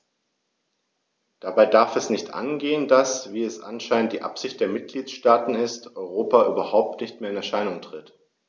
Dabei darf es nicht angehen, dass - wie es anscheinend die Absicht der Mitgliedsstaaten ist - Europa überhaupt nicht mehr in Erscheinung tritt.